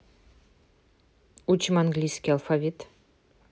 учим английский алфавит